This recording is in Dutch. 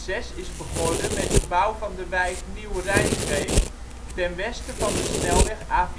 In 2006 is begonnen met de bouw van de wijk Nieuw-Rhijngeest ten westen van de snelweg A44